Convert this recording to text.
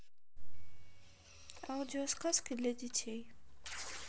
аудиосказки для детей